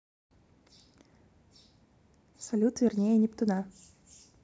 салют вернее нептуна